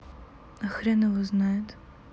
а хрен его знает